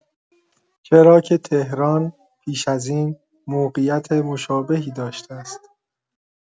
چرا که تهران پیش از این موقعیت مشابهی داشته است.